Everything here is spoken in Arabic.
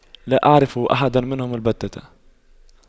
لا اعرف احدا منهم البتة